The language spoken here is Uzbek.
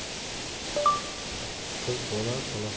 qiz bola palaxmon